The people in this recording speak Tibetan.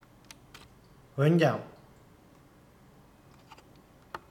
འོན ཀྱང